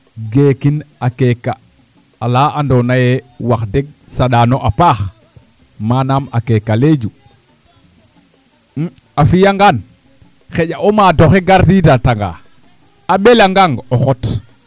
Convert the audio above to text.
geekin a keek ala andoona yee wax deg saɗaano a paax manaan a keeka leeju a fi'angaan xaƴa o maad oxe garidatanga a ɓelangang o xot